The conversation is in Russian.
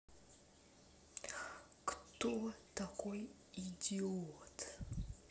кто такой идиот